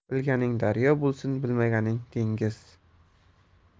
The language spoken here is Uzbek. bilganing daryo bo'lsa bilmaganing dengiz